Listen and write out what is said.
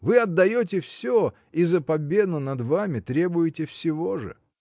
Вы отдаете всё, и за победу над вами требуете всего же.